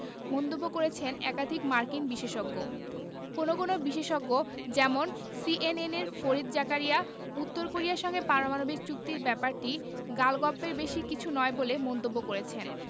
মন্তব্য করেছেন একাধিক মার্কিন বিশেষজ্ঞ কোনো কোনো বিশেষজ্ঞ যেমন সিএনএনের ফরিদ জাকারিয়া উত্তর কোরিয়ার সঙ্গে পারমাণবিক চুক্তির ব্যাপারটি গালগপ্পের বেশি কিছু নয় বলে মন্তব্য করেছেন